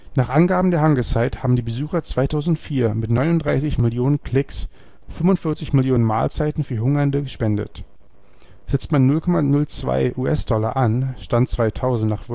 Nach Angaben der Hungersite haben die Besucher 2004 mit 39 Millionen Klicks 45 Millionen Mahlzeiten für Hungernde gespendet. Setzt man 0,02 US-Dollar an (Stand 2000